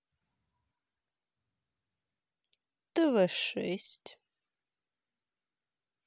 тв шесть